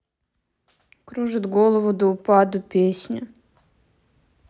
кружит голову до упаду песня